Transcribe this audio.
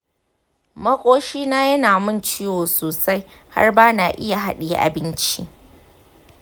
makoshina yana min ciwo sosai har ba na iya haɗiye abinci.